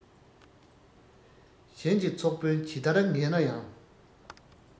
གཞན གྱི ཚོགས དཔོན ཇི ལྟར ངན ན ཡང